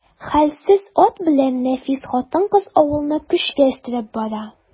Хәлсез ат белән нәфис хатын-кыз авылны көчкә өстерәп бара.